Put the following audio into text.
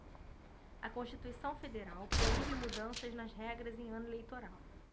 a constituição federal proíbe mudanças nas regras em ano eleitoral